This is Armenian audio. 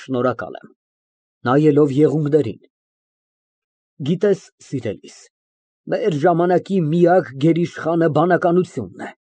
Շնորհակալ եմ։ (Նայելով եղունգներին)։ Գիտես, սիրելիս, մեր ժամանակի միակ գերիշխանը բանականությունն է։